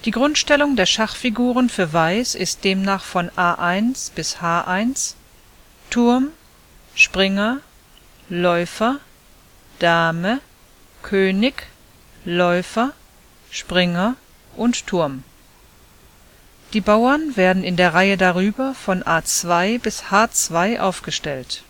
Grundstellung der Schachfiguren für Weiß ist demnach von a1 bis h1: Turm, Springer, Läufer, Dame, König, Läufer, Springer und Turm. Die Bauern werden in der Reihe darüber von a2 bis h2 aufgestellt